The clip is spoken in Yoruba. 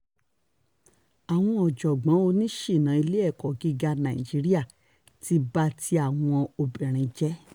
Àwọn ọ̀jọ̀gbọ́n oníṣìná ilé ẹ̀kọ́ gíga Nàìjíríà ti ba ti àwọn obìnrin jẹ́.